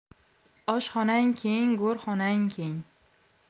oshxonang keng go'rxonang keng